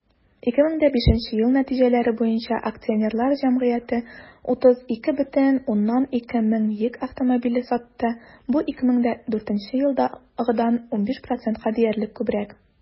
2005 ел нәтиҗәләре буенча акционерлар җәмгыяте 32,2 мең йөк автомобиле сатты, бу 2004 елдагыдан 15 %-ка диярлек күбрәк.